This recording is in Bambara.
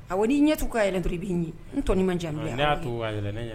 A n'i ɲɛtu ka yɛrɛ i b'i ye n ma